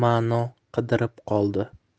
ma'no qidirib qoldi